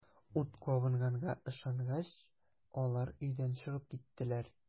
Ут кабынганга ышангач, алар өйдән чыгып киттеләр.